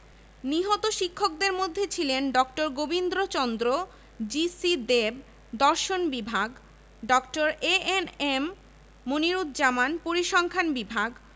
নিহত শিক্ষকদের মধ্যে ছিলেন ড. গোবিন্দচন্দ্র জি.সি দেব দর্শন বিভাগ ড. এ.এন.এম মনিরুজ্জামান পরিসংখান বিভাগ